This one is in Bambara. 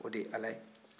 o de ye ala ye